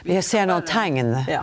ja.